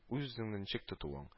Үз-үзеңне ничек тотуың